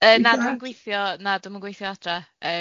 Yy na, dwi'n gweithio na, dwi'm yn gweithio adra.